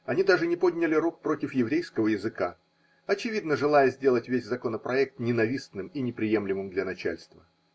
они даже не подняли рук против еврейского языка, очевидно, желая сделать весь законопроект ненавистным и неприемлемым для начальства